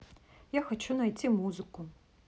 я хочу найти музыку